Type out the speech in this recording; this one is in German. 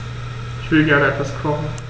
Ich will gerne etwas kochen.